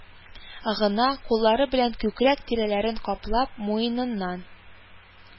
Гына, куллары белән күкрәк тирәләрен каплап, муеннан